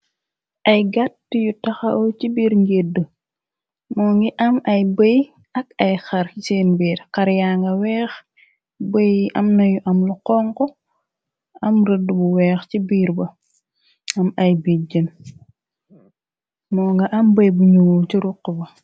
Ay gàtt yu taxaw ci biir ngédd, moo ngi am ay bëy ak ay xaar ci seen biir, xaar ya nga weex, bëyi am na yu am lu xonxu, am rëdd bu weex ci biir ba. Am ay béjjën, moo nga am bëy bu nuul chii ruxu baa.